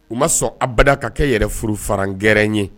U ma sɔn abada ka kɛ yɛrɛffaɛrɛrɛn ye